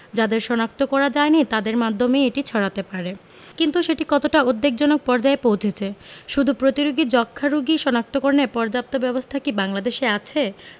যাদের শনাক্ত করা যায়নি তাদের মাধ্যমেই এটি ছড়াতে পারে কিন্তু সেটি কতটা উদ্বেগজনক পর্যায়ে পৌঁছেছে শুধু প্রতিরোধী যক্ষ্মা রোগী শনাক্তকরণে পর্যাপ্ত ব্যবস্থা কি বাংলাদেশে আছে